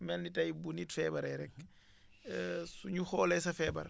mel ni tey bu nit feebaree rek su ñu xoolee sa feebar